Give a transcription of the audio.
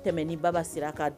Tɛmɛ ni ba sira ka